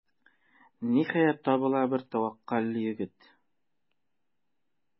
Ниһаять, табыла бер тәвәккәл егет.